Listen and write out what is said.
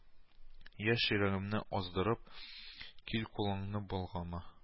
Яшь йөрәгемне аздырып, кил, кулыңны болгама